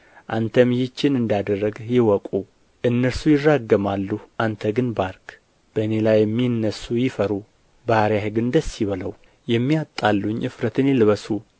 አንተም ይህችን እንዳደረግህ ይወቁ እነርሱ ይራገማሉ አንተ ግን ባርክ በእኔ ላይ የሚነሡ ይፈሩ ባሪያህ ግን ደስ ይበለው የሚያጣሉኝ እፍረትን ይልበሱ